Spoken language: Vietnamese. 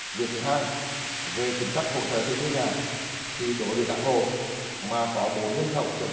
việc thứ hai về chính sách hỗ trợ tiền thuê nhà thì đối với các hộ mà có bốn nhân khẩu trở